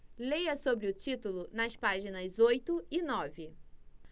leia sobre o título nas páginas oito e nove